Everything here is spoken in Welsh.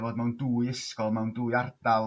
fod mewn dwy ysgol mewn dwy ardal